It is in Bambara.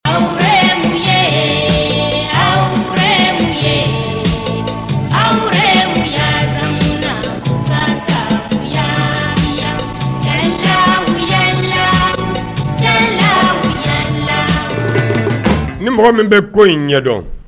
Ni mɔgɔ min bɛ ko in ɲɛdɔn